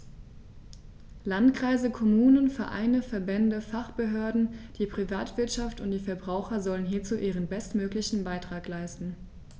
Landkreise, Kommunen, Vereine, Verbände, Fachbehörden, die Privatwirtschaft und die Verbraucher sollen hierzu ihren bestmöglichen Beitrag leisten.